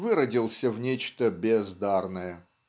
выродился в нечто бездарное.